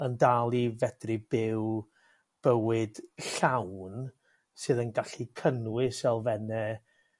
Yn dal i fedru byw bywyd llawn sydd yn gallu cynnwys elfenne